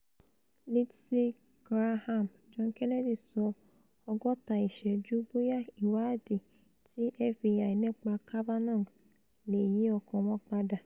Lindsey Graham, John Kennedy sọ ''Ọgọ́ta Ìṣẹ́jú'' bóyá ìwáàdí ti FBI nípa Kavanaugh leè yí ọkan wọn padà